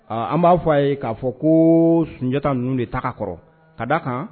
Aaa an b'a fɔ a ye k'a fɔ ko sunjatadita ninnu de ta kɔrɔ ka da kan